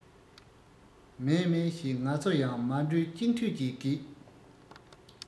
མཱེ མཱེ ཞེས ང ཚོ ཡང མ གྲོས གཅིག མཐུན གྱིས བགད